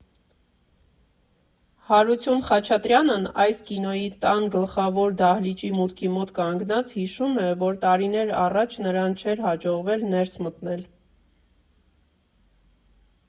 Հարություն Խաչատրյանն այսօր Կինոյի տան գլխավոր դահլիճի մուտքի մոտ կանգնած հիշում է, որ տարիներ առաջ նրան չէր հաջողվել ներս մտնել.